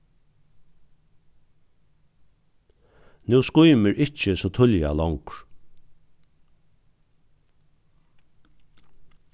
nú skýmir ikki so tíðliga longur